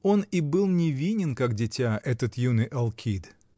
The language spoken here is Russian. Он и был невинен, как дитя, этот юный Алкид.